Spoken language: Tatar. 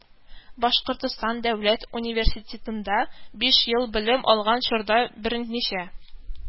Башкортстан дәүләт университетында биш ел белем алган чорда берничә